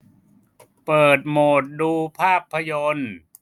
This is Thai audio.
เปิดโหมดดูภาพยนตร์